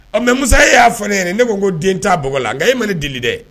Ɔ mɛ masa e y'a fɔ ne ye ne ko den taa bo la nka e ma ne dili dɛ